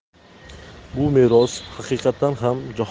bu meros haqiqatan ham jahon